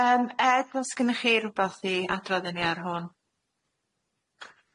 Yym Ed os gynnoch chi rwbath i adrodd i ni ar hwn?